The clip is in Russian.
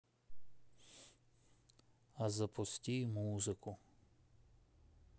а запусти музыку